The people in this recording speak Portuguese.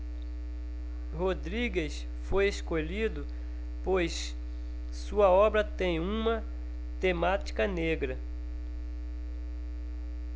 rodrigues foi escolhido pois sua obra tem uma temática negra